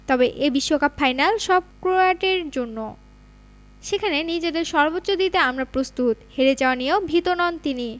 তবে এ বিশ্বকাপ ফাইনাল সব ক্রোয়াটের জন্য সেখানে নিজেদের সর্বোচ্চ দিতে আমরা প্রস্তুত হেরে যাওয়া নিয়েও ভীত নন তিনি